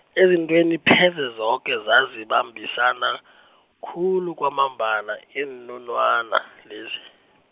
ezintweni pheze zoke zazibambisana , khulu kwamambala iinunwana, lezi.